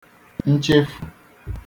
nchefù